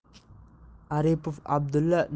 aripov abdulla